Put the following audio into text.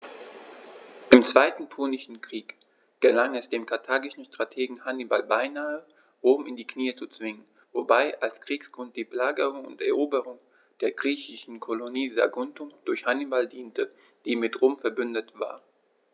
Im Zweiten Punischen Krieg gelang es dem karthagischen Strategen Hannibal beinahe, Rom in die Knie zu zwingen, wobei als Kriegsgrund die Belagerung und Eroberung der griechischen Kolonie Saguntum durch Hannibal diente, die mit Rom „verbündet“ war.